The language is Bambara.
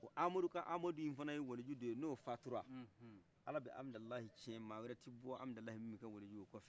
w'o amaduka amadu in fɛnɛye waliyou de ye n'o fatura alabi amidalayi cɛn ma wɛrɛ ti bɔ amidalayi bilen